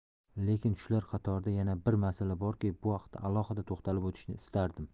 lekin shular qatorida yana bir masala borki bu haqda alohida to'xtalib o'tishni istardim